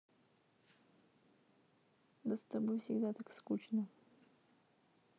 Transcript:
да с тобой всегда так скучно